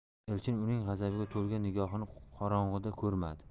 elchin uning g'azabga to'lgan nigohini qorong'ida ko'rmadi